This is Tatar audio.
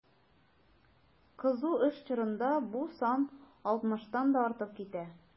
Кызу эш чорында бу сан 60 тан да артып китә.